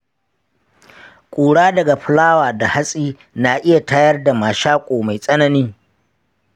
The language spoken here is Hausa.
ƙura daga fulawa da hatsi na iya tayar da mashako mai tsanani.